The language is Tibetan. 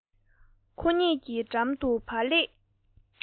ཁོ གཉིས ཀྱི འགྲམ དུ བག ལེབ